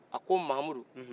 a ko mamudu